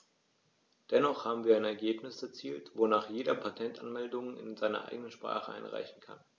Dennoch haben wir ein Ergebnis erzielt, wonach jeder Patentanmeldungen in seiner eigenen Sprache einreichen kann.